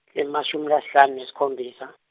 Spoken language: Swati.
emashumi lasihlanu nesikhombisa.